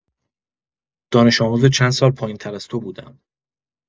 دانش‌آموز چند سال پایین‌تر از تو بودم.